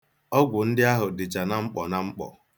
Ọgwụ ndị ahụ dịcha na mkpọ na mkpọ.